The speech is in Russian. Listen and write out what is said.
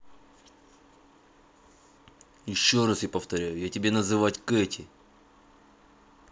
еще раз я повторяю я тебе называть кэти